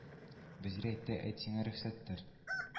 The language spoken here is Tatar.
Вәзир әйтте әйт сиңа рөхсәттер